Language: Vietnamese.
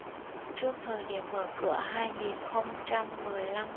trước thời điểm mở cửa hai nghìn không trăm mười lăm